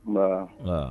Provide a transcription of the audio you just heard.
Nbaa! Aya